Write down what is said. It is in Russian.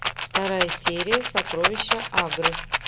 вторая серия сокровища агры